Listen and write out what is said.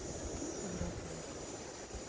Кем кодрәтле?